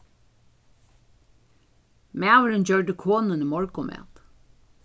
maðurin gjørdi konuni morgunmat